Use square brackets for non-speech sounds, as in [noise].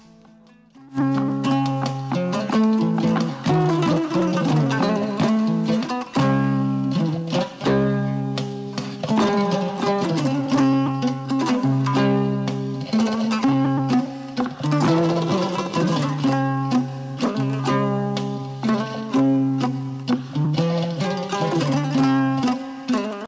[music]